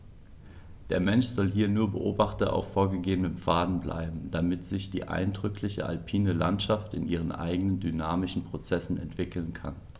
Der Mensch soll hier nur Beobachter auf vorgegebenen Pfaden bleiben, damit sich die eindrückliche alpine Landschaft in ihren eigenen dynamischen Prozessen entwickeln kann.